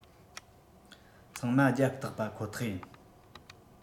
ཚང མ རྒྱབ སྟེགས པ ཁོ ཐག ཡིན